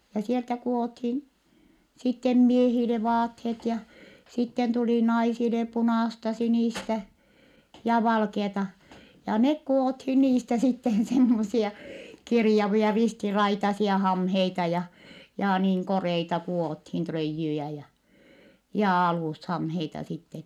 ja sieltä kudottiin sitten miehille vaatteet ja sitten tuli naisille punaista sinistä ja valkeaa ja ne kudottiin niistä sitten semmoisia kirjavia ristiraitaisia hameita ja ja niin koreita kudottiin tröijyjä ja ja alushameita sitten